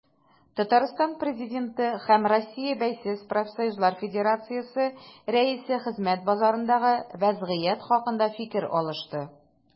Татарстан Президенты һәм Россия Бәйсез профсоюзлар федерациясе рәисе хезмәт базарындагы вәзгыять хакында фикер алышты.